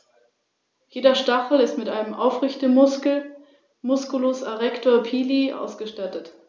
Das „Land der offenen Fernen“, wie die Rhön auch genannt wird, soll als Lebensraum für Mensch und Natur erhalten werden.